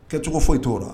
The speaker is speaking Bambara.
Kɛcogo foyi t'o la